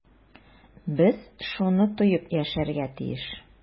Без шуны тоеп яшәргә тиеш.